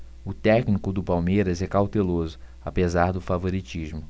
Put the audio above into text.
o técnico do palmeiras é cauteloso apesar do favoritismo